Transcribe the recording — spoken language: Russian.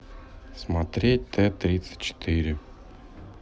смотреть т тридцать четыре